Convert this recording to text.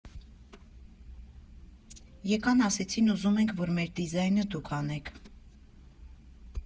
Եկան, ասեցին՝ ուզում ենք, որ մեր դիզայնը դուք անեք։